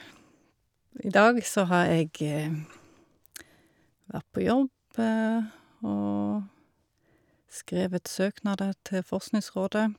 I dag så har jeg vært på jobb og skrevet søknader til Forskningsrådet.